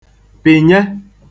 pìnye